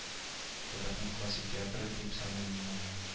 Татарның классик театры дип саныйм мин аны